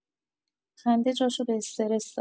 خنده جاشو به استرس داد.